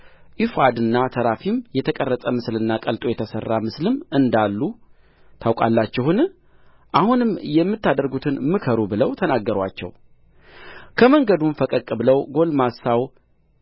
ኤፉድና ተራፊም የተቀረጸ ምስልና ቀልጦ የተሠራ ምስልም እንዳሉ ታውቃላችሁን አሁንም የምታደርጉትን ምከሩ ብለው ተናገሩአቸው ከመንገዱም ፈቀቅ ብለው ጕልማሳው